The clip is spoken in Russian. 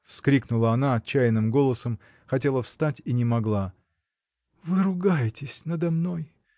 — вскрикнула она отчаянным голосом, хотела встать и не могла, — вы ругаетесь надо мной.